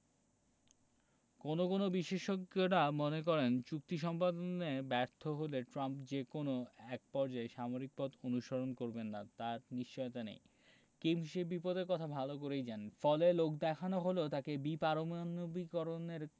কোনো কোনো বিশেষজ্ঞেরা মনে করেন চুক্তি সম্পাদনে ব্যর্থ হলে ট্রাম্প যে কোনো একপর্যায়ে সামরিক পথ অনুসরণ করবেন না তার নিশ্চয়তা নেই কিম সে বিপদের কথা ভালো করেই জানেন ফলে লোকদেখানো হলেও তাঁকে বিপারমাণবিকীকরণের